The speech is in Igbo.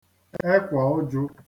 ẹkwa ụjụ